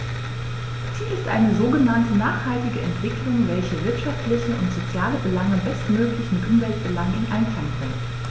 Ziel ist eine sogenannte nachhaltige Entwicklung, welche wirtschaftliche und soziale Belange bestmöglich mit Umweltbelangen in Einklang bringt.